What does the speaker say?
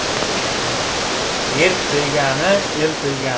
yer to'ygani el to'ygani